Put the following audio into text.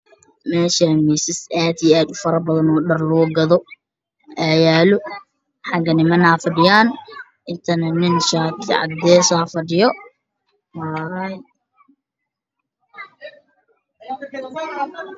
Waa meel suuq ah nin ayaa gaar gacan iyo teeno ku iibinaayo dhar ka caddaan ayey wataa